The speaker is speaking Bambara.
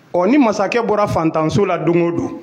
Ɔ ni masakɛ bɔra fantanso la don o don